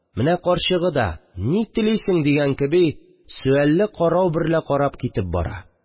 Менә карчыгы да: «Ни телисең?» дигән кеби, сөалле карау берлә карап китеп бара